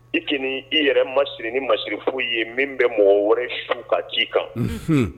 I kɔni i yɛrɛ ma siri ni masirif ye min bɛ mɔgɔ wɛrɛ su ka ci kan